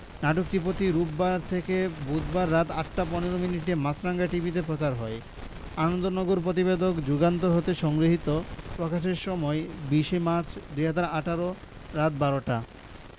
নাটকটি প্রতি রোববার থেকে বুধবার রাত ৮টা ১৫ মিনিটে মাছরাঙা টিভিতে প্রচার হয় আনন্দনগর প্রতিবেদক যুগান্তর হতে সংগৃহীত প্রকাশের সময় ২০ই মার্চ ২০১৮ রাত ১২:০০ টা